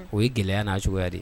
O ye gɛlɛya n'a cogoya de